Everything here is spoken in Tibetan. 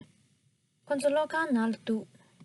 ཁོ ཚོ སློབ ཁང ནང ལ འདུག